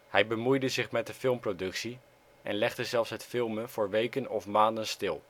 Hij bemoeide zich met de filmproductie en legde zelfs het filmen voor weken of maanden stil